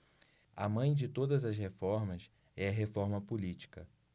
a mãe de todas as reformas é a reforma política